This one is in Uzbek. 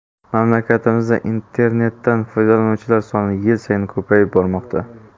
mamlakatimizda internetdan foydalanuvchilar soni yil sayin ko'payib bormoqda